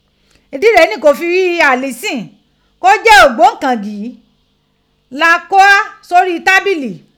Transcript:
Ìdí reni kó fi ghi ghi Allison, kó jẹ́ ògbóǹkangí, lá kó o ghá sórí tábìlì.